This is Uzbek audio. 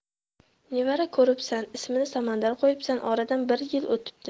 nevara ko'ribsan ismini samandar qo'yibsan oradan bir yil o'tibdi